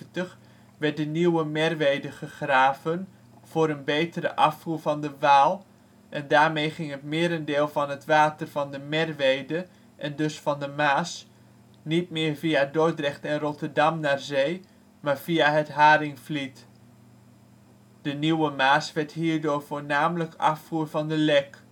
werd de Nieuwe Merwede gegraven voor een betere afvoer van de Waal, en daarmee ging het merendeel van het water van de Merwede, en dus van de Maas, niet meer via Dordrecht en Rotterdam naar zee, maar via het Haringvliet. De Nieuwe Maas werd hierdoor voornamelijk afvoer van de Lek